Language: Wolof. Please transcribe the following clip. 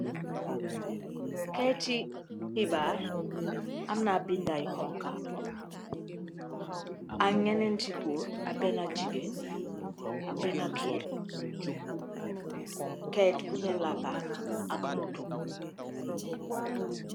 Keiti khibarr, amna binda yu honha, ak njenenti gorr ak bena gigain, ak bena keur, keit bu njur larkah, ak motoh.